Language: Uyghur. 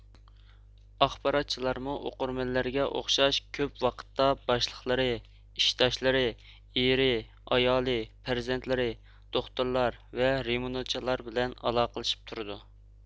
ئاخباراتچىلارمۇ ئوقۇرمەنلەرگە ئوخشاش كۆپ ۋاقىتتا باشلىقلىرى ئىشداشلىرى ئېرى ئايالى پەرزەنتلىرى دوختۇرلار ۋە رېمونتچىلار بىلەن ئالاقىلىشىپ تۇرىدۇ